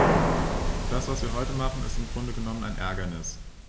Das, was wir heute machen, ist im Grunde genommen ein Ärgernis.